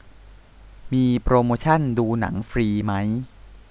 มีโปรโมชันดูหนังฟรีมั้ย